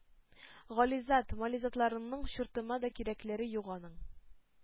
-гализат, мализатларыңның чуртыма да кирәкләре юк аның.